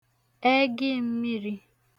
ẹgịì mmīrī